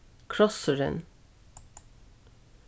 krossurin